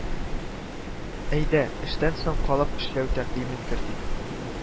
Әйдә, эштән соң калып эшләү тәкъдимен кертик